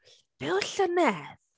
Beth oedd llynedd?